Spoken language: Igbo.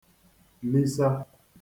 lisā